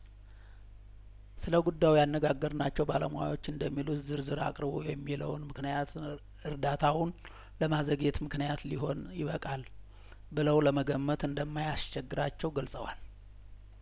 ስለጉዳዩ ያነጋገርናቸው ባለሙያዎች እንደሚሉት ዝርዝር አቅርቡ የሚለውን ምክንያት እእርዳታውን ለማዘግየት ምክንያት ሊሆን ይበቃል ብለው ለመገመት እንደማያስቸግራቸው ገልጸዋል